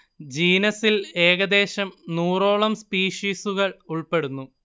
ജീനസിൽ ഏകദേശം നൂറോളം സ്പീഷിസുകൾ ഉൾപ്പെടുന്നു